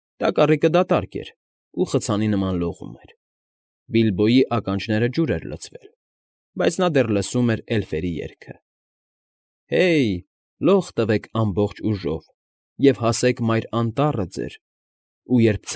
Տակառիկը դատարկ էր ու խցանի նման լողում էր, Բիլբոյի ականջները ջուր էր լցվել, բայց նա դեռ լսում էր էլֆերի երգը. Հե՜յ, լող տվեք ամբողջ ուժով Եվ հասեք մայր անտառը ձեր, Ու երբ։